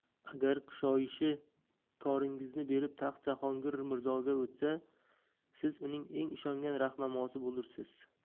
agar kushoyishi koringizni berib taxt jahongir mirzog'a o'tsa siz uning eng ishongan rahnamosi bo'lursiz